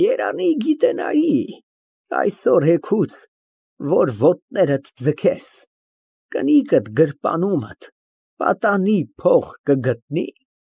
Երանի գիտենայի, այսօր֊էգուց որ ոտներդ ձգես, կնիկդ գրպանումդ պատանի փող կգտնի՞։